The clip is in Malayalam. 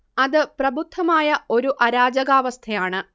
അത് പ്രബുദ്ധമായ ഒരു അരാജകാവസ്ഥയാണ്